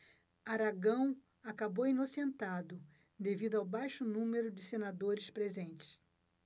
aragão acabou inocentado devido ao baixo número de senadores presentes